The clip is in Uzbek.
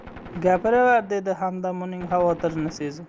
gapiraver dedi hamdam uning xavotirini sezib